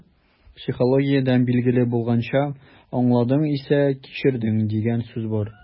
Психологиядән билгеле булганча, «аңладың исә - кичердең» дигән сүз бар.